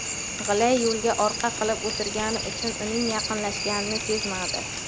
g'ilay yo'lga orqa qilib o'tirgani uchun uning yaqinlashganini sezmadi